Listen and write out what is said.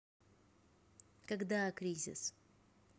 когда кризис